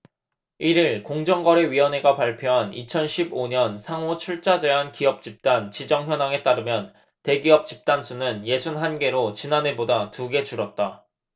일 일 공정거래위원회가 발표한 이천 십 오 년 상호출자제한기업집단 지정현황에 따르면 대기업 집단수는 예순 한 개로 지난해보다 두 개 줄었다